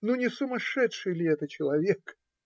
Ну, не сумасшедший ли это человек?